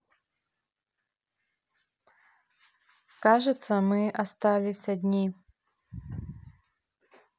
кажется мы остались одни